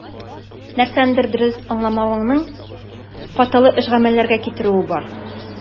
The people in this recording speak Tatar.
Нәрсәнедер дөрес аңламавыңның хаталы эш-гамәлләргә китерүе бар.